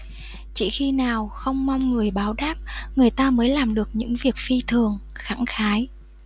chỉ khi nào không mong người báo đáp người ta mới làm được những việc phi thường khẳng khái